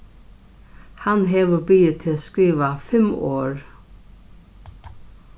hann hevur biðið teg skrivað fimm orð